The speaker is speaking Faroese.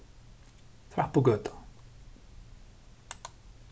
trappugøta